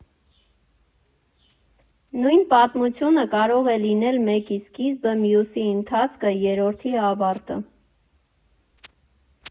Նույն պատմությունը կարող է լինել մեկի սկիզբը, մյուսի ընթացքը, երրորդի ավարտը։